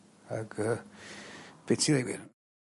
Ag yy be ti ddeu wir?